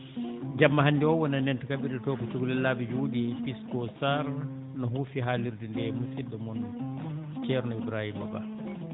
jamma hannde oo wonani en to kaɓirɗe to ko cukalel laaɓa juuɗe Pisco Sarr no huufi haalirde nde musidɗo mon ceerno Ibrahima Ba